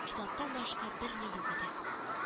Китаптан башка берни юк иде